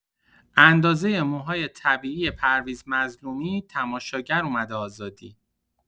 اندازۀ موهای طبیعی پرویز مظلومی تماشاگر اومده آزادی